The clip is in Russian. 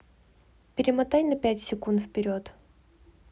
перемотай на пять секунд вперед